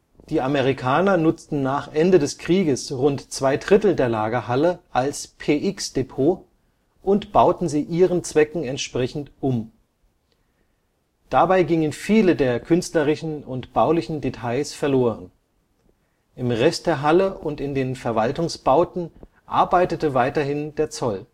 Die Amerikaner nutzten nach Ende des Krieges rund zwei Drittel der Lagerhalle als PX-Depot und bauten sie ihren Zwecken entsprechend um. Dabei gingen viele der künstlerischen und baulichen Details verloren. Im Rest der Halle und in den Verwaltungsbauten arbeitete weiterhin der Zoll